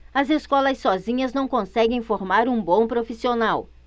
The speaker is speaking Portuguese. as escolas sozinhas não conseguem formar um bom profissional